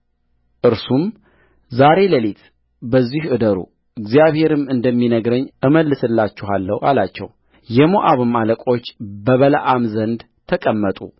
እርሱም ዛሬ ሌሊት በዚህ እደሩ እግዚአብሔርም እንደሚነግረኝ እመልስላችኋለሁ አላቸው የሞዓብም አለቆች በበለዓም ዘንድ ተቀመጡ